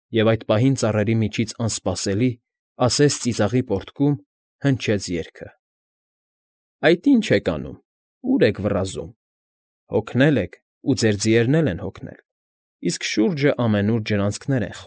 Եվ այդ պահին ծառերի միջից անսպասելի, ասես ծիծաղի պոռթկում, հնչեց երգը. Այդ ի՞նչ եք անում, Ո՞ւր եք վռազում, Հոգնել եք, ու ձեր Ձիերն են հոգնել, Իսկ շուրջն ամենուր Ջրանցքներ են։